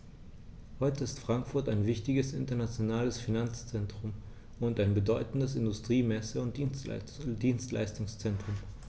Heute ist Frankfurt ein wichtiges, internationales Finanzzentrum und ein bedeutendes Industrie-, Messe- und Dienstleistungszentrum.